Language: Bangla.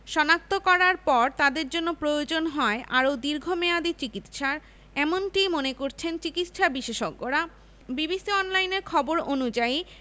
শনাক্ত করার পর তাদের জন্য প্রয়োজন হয় আরও দীর্ঘমেয়াদি চিকিৎসার এমনটিই মনে করছেন চিকিৎসাবিশেষজ্ঞরা বিবিসি অনলাইনের খবর অনুযায়ী